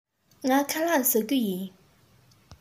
ངས ཁ ལག བཟས མེད